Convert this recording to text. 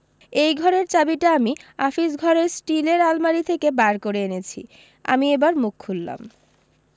এই ঘরের চাবিটা আমি আফিস ঘরের স্টীলের আলমারী থেকে বার করে এনেছি আমি এবার মুখ খুললাম